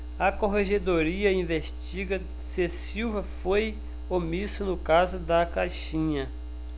a corregedoria investiga se silva foi omisso no caso da caixinha